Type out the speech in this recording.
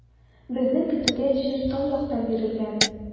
Безнең көтүгә җир тау яктан бирелгән.